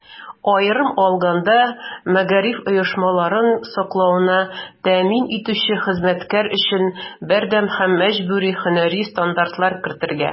Аерым алганда, мәгариф оешмаларын саклауны тәэмин итүче хезмәткәр өчен бердәм һәм мәҗбүри һөнәри стандартлар кертергә.